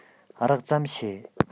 རགས ཙམ ཤེས